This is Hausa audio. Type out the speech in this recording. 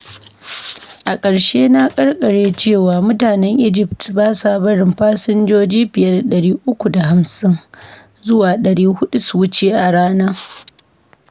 A ƙarshe na ƙarƙare cewa, mutanen Egypt ba sa barin fasinjoji fiye da 350 zuwa 400 su wuce a rana.